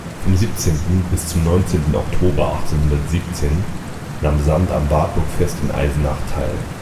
Vom 17. bis zum 19. Oktober 1817 nahm Sand am Wartburgfest in Eisenach teil